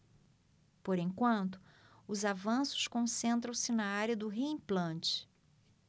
por enquanto os avanços concentram-se na área do reimplante